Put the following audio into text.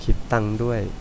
คิดตังค์ด้วย